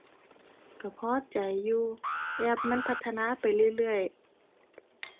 ก็พอใจอยู่ แอปมันพัฒนาไปเรื่อยเรื่อย